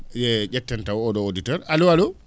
ye ?etten taw oo ?oo auditeur allo allo